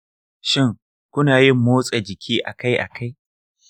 shin, kuna yin motsa jiki akai-akai?